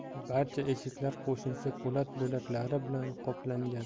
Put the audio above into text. barcha eshiklar qo'shimcha po'lat bo'laklari bilan qoplangan